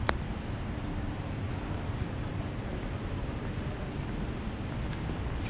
щенячий патруль первая серия